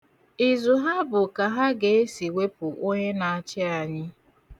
Izu ha bụ ka ha ga-esi wepụta onye na-achị anyị.